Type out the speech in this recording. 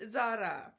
Zara...